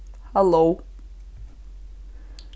halló